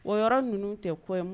O yɔrɔ ninnu tɛ kɔ ye